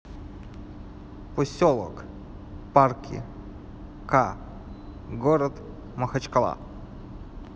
поселок парки ка город махачкала